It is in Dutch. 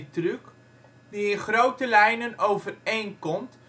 truck, die in grote lijnen overeenkomt